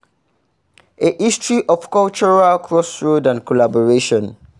A history of cultural crossroads and collaboration